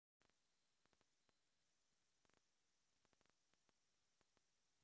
три кота собираются в